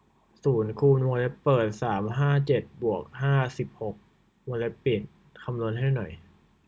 ศูนย์คูณวงเล็บเปิดสามห้าเจ็ดบวกห้าสิบหกวงเล็บปิดคำนวณให้หน่อย